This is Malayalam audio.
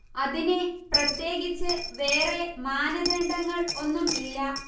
അതിനെ പ്രത്യേകിച്ച് വേറേ മാനദണ്ഡങ്ങൾ ഒന്നും ഇല്ല